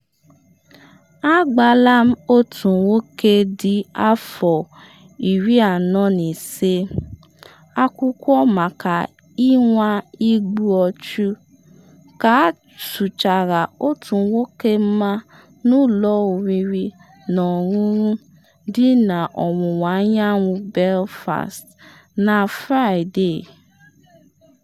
Agbaala otu nwoke dị afọ 45 akwụkwọ maka ịnwa igbu ọchụ, ka asụchara otu nwoke mma n’ụlọ oriri na ọṅụṅụ dị na ọwụwa anyanwụ Belfast na Fraịde.